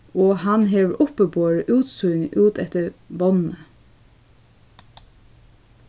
og hann hevur uppiborið útsýnið út eftir vágni